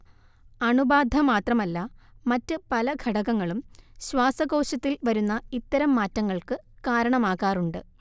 അണുബാധ മാത്രമല്ല മറ്റ് പല ഘടകങ്ങളും ശ്വാസകോശത്തിൽ വരുന്ന ഇത്തരം മാറ്റങ്ങൾക്ക് കാരണമാകാറുണ്ട്